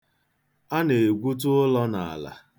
A na-egwute ụlọ n'ala.